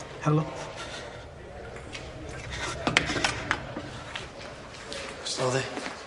Helo? Sud o'dd 'i?